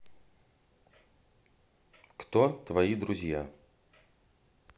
кто твои друзья